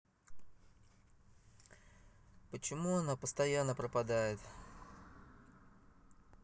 почему она постоянно пропадает